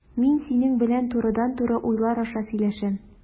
Мин синең белән турыдан-туры уйлар аша сөйләшәм.